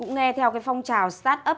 cũng nghe theo cái phong trào sờ tát ấp